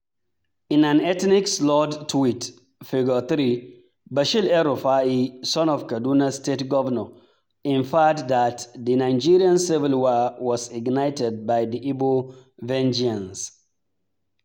In an ethnic slurred tweet (Figure 3) Bashir El-Rufai, son of the Kaduna State Governor, inferred that the Nigerian Civil War was ignited by the Igbo vengeance.